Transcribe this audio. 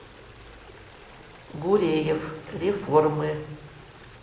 гуреев реформы